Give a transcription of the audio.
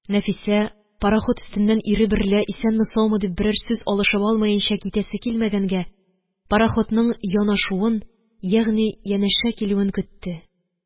Нәфисә, парахут өстеннән ире берлә исәнме-саумы дип берәр сүз алышып алмаенча китәсе килмәгәнгә, парахутның янашуын, ягъни янәшә килүен көтте